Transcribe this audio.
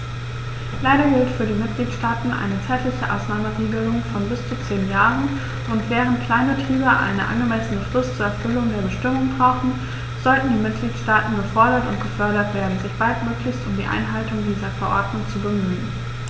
Leider gilt für die Mitgliedstaaten eine zeitliche Ausnahmeregelung von bis zu zehn Jahren, und, während Kleinbetriebe eine angemessene Frist zur Erfüllung der Bestimmungen brauchen, sollten die Mitgliedstaaten gefordert und gefördert werden, sich baldmöglichst um die Einhaltung dieser Verordnung zu bemühen.